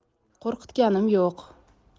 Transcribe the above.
qo'rqitganim yo'q